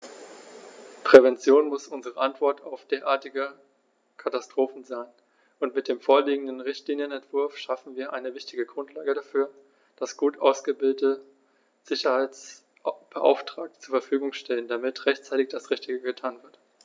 Prävention muss unsere Antwort auf derartige Katastrophen sein, und mit dem vorliegenden Richtlinienentwurf schaffen wir eine wichtige Grundlage dafür, dass gut ausgebildete Sicherheitsbeauftragte zur Verfügung stehen, damit rechtzeitig das Richtige getan wird.